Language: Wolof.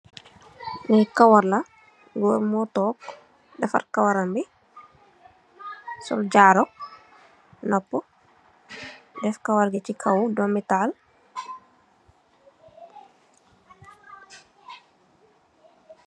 Lii karaw la, gorre mor tok, defarr karawam bii, sol jaarou nopu, def karaw gui chi kaw dormu taal.